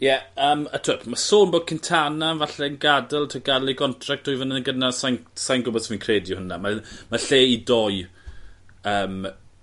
Ie yym a t'wod ma sôn bod Quintana'n falle yn gad'el t'o' gad'el ei gontract dwy flynedd yn gynnar sai'n sai'n gwbo os fi'n credu hwnna mae yy ma' lle i doi yym